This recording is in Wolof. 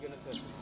gën a sedd